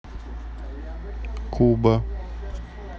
куба